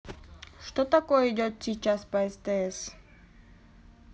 что такое идет сейчас по стс